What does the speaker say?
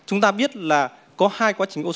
chúng ta biết là có hai quá trình ô